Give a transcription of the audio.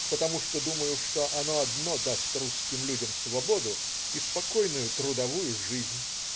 Потому что думаю, что оно одно даст русским людям свободу и спокойную трудовую жизнь".